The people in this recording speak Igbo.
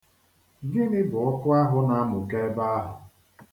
Gịnị bụ ọkụ ahụ na-amụke ebe ahụ.